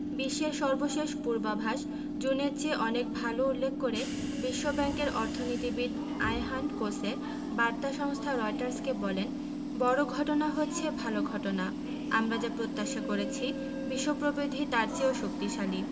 বিশ্বের সর্বশেষ পূর্বাভাস জুনের চেয়ে অনেক ভালো উল্লেখ করে বিশ্বব্যাংকের অর্থনীতিবিদ আয়হান কোসে বার্তা সংস্থা রয়টার্সকে বলেন বড় ঘটনা হচ্ছে ভালো ঘটনা আমরা যা প্রত্যাশা করেছি বিশ্ব প্রবৃদ্ধি তার চেয়েও শক্তিশালী